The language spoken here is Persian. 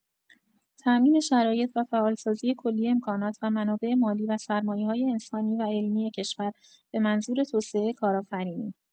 تامین شرایط و فعال‌سازی کلیه امکانات و منابع مالی و سرمایه‌‌های انسانی و علمی کشور به منظور توسعه کارآفرینی